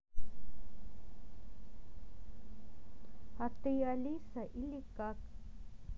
а ты алиса или как